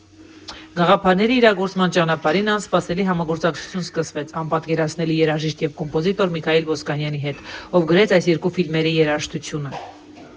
Գաղափարների իրագործման ճանապարհին անսպասելի համագործակցություն սկսվեց անպատկերացնելի երաժիշտ և կոմպոզիտոր Միքայել Ոսկանյանի հետ, ով գրեց այս երկու ֆիլմերի երաժշտությունը»։